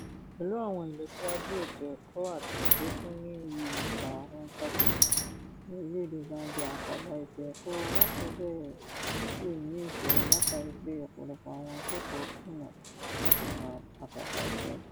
Pẹ̀lú àwọn ìlọsíwájú ètò ẹ̀kọ́ àti àlékún ní iye òǹkà àwọn fáṣítì ní orílẹ̀ èdè Zambia, àkàbà ètò ẹ̀kọ́ alákọ̀ọ́bẹ̀rẹ̀ sì ní ìṣòro látàrí pé ọ̀pọ̀lọpọ̀ àwọn akẹ́kọ̀ọ́ kùnà láti gùn àkàbà ètò ẹ̀kọ́.